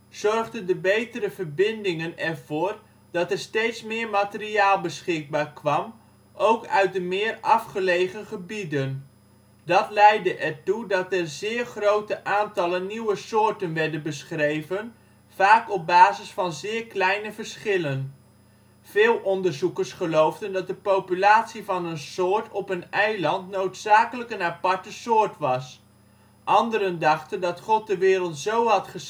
zorgden de betere verbindingen ervoor dat er steeds meer materiaal beschikbaar kwam, ook uit de meer afgelegen gebieden. Dat leidde ertoe dat er zeer grote aantallen nieuwe soorten werden beschreven, vaak op basis van zeer kleine verschillen. Veel onderzoekers geloofden dat een populatie van een soort op een eiland noodzakelijk een aparte soort was; anderen dachten dat God de wereld zo had